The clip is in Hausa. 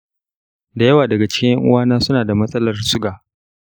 da yawa daga cikin ƴan-uwana suna da matsalar suga.